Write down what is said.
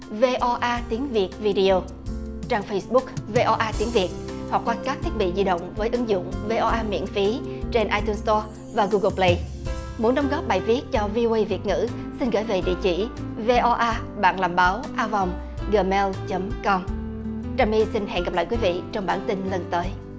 vê o a tiếng việt vi đi ô trang phây búc vê o a tiếng việt hoặc qua các thiết bị di động với ứng dụng vê o a miễn phí trên ai tun sờ to và gu gồ pờ lây muốn đóng góp bài viết cho vi ô ây việt ngữ xin gửi về địa chỉ vê o a bạn làm báo a còng gờ meo chấm com trà my xin hẹn gặp lại quý vị trong bản tin lần tới